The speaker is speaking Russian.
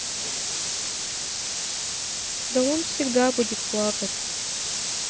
да он всегда будет плакать